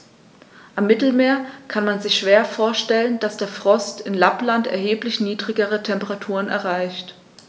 Am Mittelmeer kann man sich schwer vorstellen, dass der Frost in Lappland erheblich niedrigere Temperaturen erreicht.